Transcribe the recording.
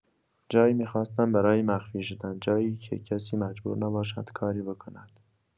جایی می‌خواستم برای مخفی شدن، جایی که کسی مجبور نباشد کاری بکند.